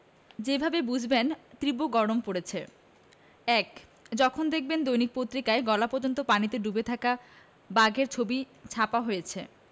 যেভাবে বুঝবেন তীব্র গরম পড়েছে ১. যখন দেখবেন দৈনিক পত্রিকায় গলা পর্যন্ত পানিতে ডুবে থাকা বাঘের ছবি ছাপা হয়েছে